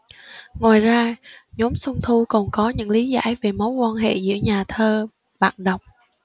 ngoài ra nhóm xuân thu còn có những lý giải về mối quan hệ giữa nhà thơ bạn đọc